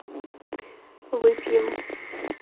выпьем